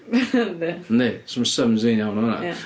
Yndi... yndi, so ma' syms fi yn iawn fan'na... Ia.